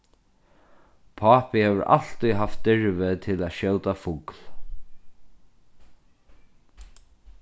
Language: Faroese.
pápi hevur altíð havt dirvi til at skjóta fugl